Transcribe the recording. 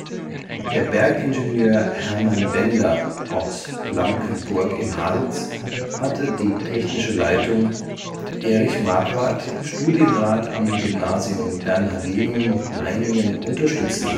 Der Bergingenieur Hermann Bender aus Blankenburg (Harz) hatte die technische Leitung, Erich Marquardt, Studienrat am Gymnasium Bernhardinum Meiningen unterstützte